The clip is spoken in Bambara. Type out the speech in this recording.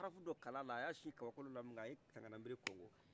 a ye arafu don kalala a y'a si kabakolo la a ye tanganabere koko